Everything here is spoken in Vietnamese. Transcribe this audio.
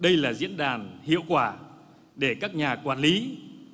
đây là diễn đàn hiệu quả để các nhà quản lý